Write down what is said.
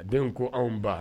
A den ko anw ba